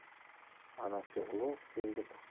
ana shu ulug' sevgi tug'dirgan